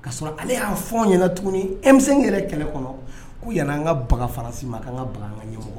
Ka sɔrɔ ale y'a fɔ anw ɲɛna tuguni M 5 yɛrɛ kɛlɛ kɔnɔ , ko yani an ka baga faransi ma ko an ka baga an ka ɲɛmɔgɔw ma